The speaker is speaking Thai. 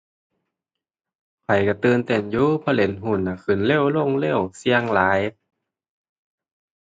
ข้อยก็ตื่นเต้นอยู่เพราะเล่นหุ้นน่ะ ขึ้นเร็ว ลงเร็ว เสี่ยงหลาย